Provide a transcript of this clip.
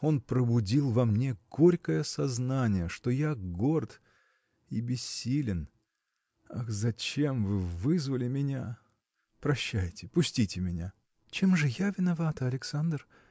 Он пробудил во мне горькое сознание, что я горд – и бессилен. Ах, зачем вы вызвали меня? Прощайте, пустите меня. – Чем же я виновата, Александр?